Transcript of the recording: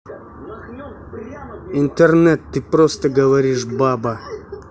интернет ты просто говоришь баба